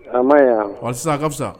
A ma yan sisan a ka fisa